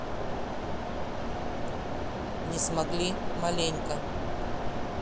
не смогли маленько